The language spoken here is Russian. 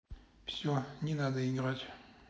все не надо играть